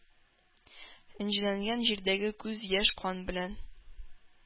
Энҗеләнгән җирдәге күз яшь, кан белән!